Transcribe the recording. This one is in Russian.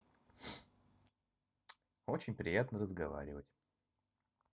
очень приятно разговаривать